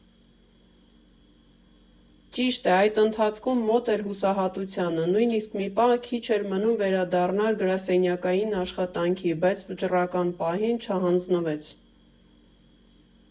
Ճիշտ է, այդ ընթացքում մոտ էր հուսահատությանը, նույնիսկ մի պահ քիչ էր մնում վերադառնար գրասենյակային աշխատանքի, բայց վճռական պահին չհանձվեց։